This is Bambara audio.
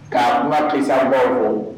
Ka ma kisa bɔ bɔ